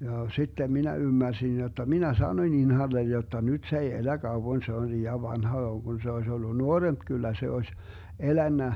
ja sitten minä ymmärsin jotta minä sanoin Inhalle jotta nyt se ei elä kauan se on liian vanha vaan kun se olisi ollut nuorempi kyllä se olisi elänyt